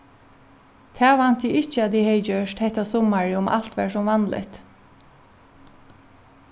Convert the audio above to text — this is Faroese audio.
tað vænti eg ikki at eg hevði gjørt hetta summarið um alt var sum vanligt